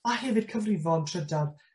A hefyd cyfrifon Trydar.